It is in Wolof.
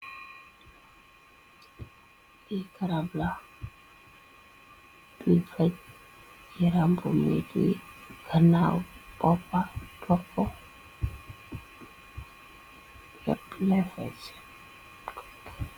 Egarabla bifaj yarambu metie kanaw boppa bobpo yep lay fatc.